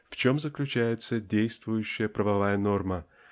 в чем заключается действующая правовая норма